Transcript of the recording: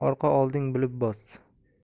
orqa olding bilib bos